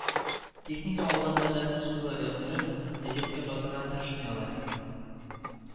Техника алганда да, ссудалар яздырып, әҗәткә батырга тырышмый алар